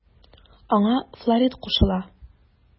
Аңа Флорид кушыла.